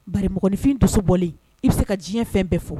Bamɔgɔninfin dusubɔlen i bɛ se ka diɲɛ fɛn bɛɛ fo